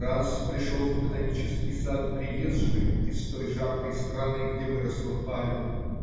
Раз пришел в ботанический сад приезжий из той жаркой страны, где выросла пальма